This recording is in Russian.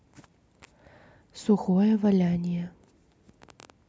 сухое валяние